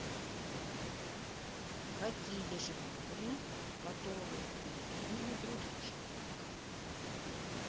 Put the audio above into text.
какие животные которые приютили других животных